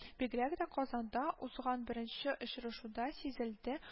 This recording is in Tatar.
Бигрәк тә, Казанда узган беренче очрашуда сизелде